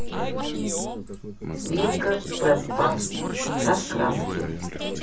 свинка пеппа раскраски